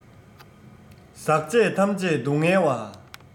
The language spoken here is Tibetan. ཟག བཅས ཐམས ཅད སྡུག བསྔལ བ